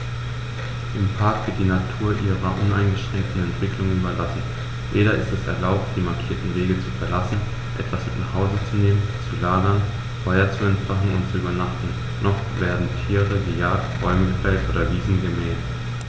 Im Park wird die Natur ihrer uneingeschränkten Entwicklung überlassen; weder ist es erlaubt, die markierten Wege zu verlassen, etwas mit nach Hause zu nehmen, zu lagern, Feuer zu entfachen und zu übernachten, noch werden Tiere gejagt, Bäume gefällt oder Wiesen gemäht.